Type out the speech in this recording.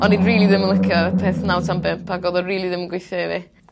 o'n i rili ddim yn licio y peth naw tan bump ag odd o rili ddim yn gweithio i fi.